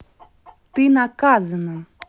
ты наказана